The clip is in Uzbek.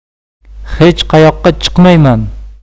xech qayoqqa chiqmayman